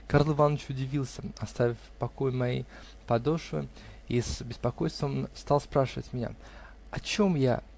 Карл Иваныч удивился, оставил в покое мои подошвы и с беспокойством стал спрашивать меня: о чем я?